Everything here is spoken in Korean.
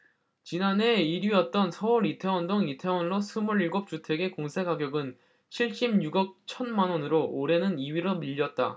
지난해 일 위였던 서울 이태원동 이태원로 스물 일곱 주택의 공시가격은 칠십 육 억 천 만원으로 올해는 이 위로 밀렸다